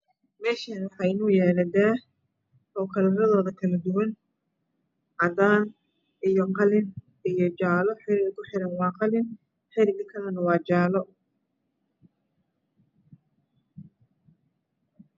Meeshan waxaa inoo yaalo daah oo kalaradooda kala duwan cadaan iyo qalin iyo jaalo xariga ku xiran waa qalin xariga kalana waa jaalo